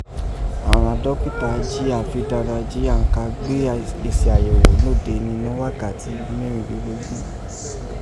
àghan dokita jí afi dandan ji ghan ka gbe esi ayẹghò nóde ninọ́ wakati mẹrinlelogun.